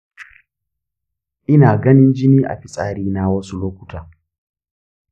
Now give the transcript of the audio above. ina ganin jini a fitsari na wasu lokuta.